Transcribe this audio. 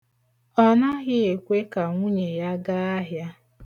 Ọ naghị ekwe ka nwunye ya gaa ahịa.